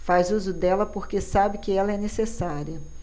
faz uso dela porque sabe que ela é necessária